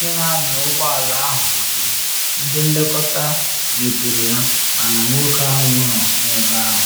Onye na anya ụgbọ ala ahụ kwụsịrị, ndị nlekọta letere ya, mana nwoke ahụ nwụrụ n’ebe ahụ.